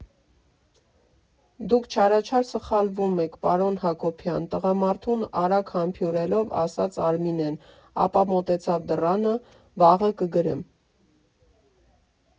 Դուք չարաչար սխալվում եք, պարոն Հակոբյան, ֊ տղամարդուն արագ համբուրելով ասաց Արմինեն, ապա մոտեցավ դռանը, ֊ Վաղը կգրեմ։